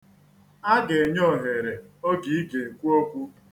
A ga-enye ohere oge ị ga-ekwu okwu.